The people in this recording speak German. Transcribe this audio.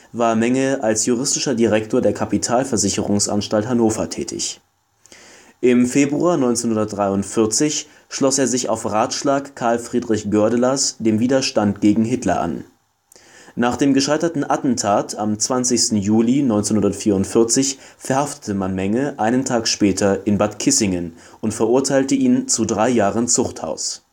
war Menge als juristischer Direktor der Kapital-Versicherungs-Anstalt Hannover tätig. Im Februar 1943 schloss er sich auf Ratschlag Carl Friedrich Goerdelers dem Widerstand gegen Hitler an. Nach dem gescheiterten Attentat am 20. Juli 1944 verhaftete man Menge einen Tag später in Bad Kissingen und verurteilte ihn zu drei Jahren Zuchthaus